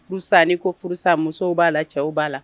Furusa ni ko furusa musow b'a la cɛw b'a la